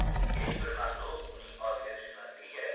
hech bir mahluq uning oldiga tushmasligi kerak